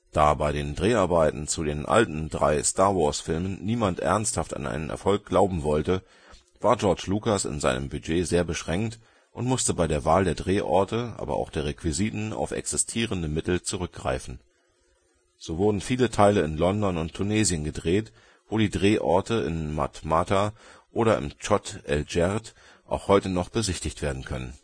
Da bei den Dreharbeiten zu den alten 3 Star-Wars-Filmen niemand ernsthaft an einen Erfolg glauben wollte, war George Lucas in seinem Budget sehr beschränkt und musste bei der Wahl der Drehorte, aber auch der Requisiten, auf existierende Mittel zurückgreifen. So wurden viele Teile in London und Tunesien gedreht, wo die Drehorte in Matmata oder im Chott el Djerid auch heute noch besichtigt werden können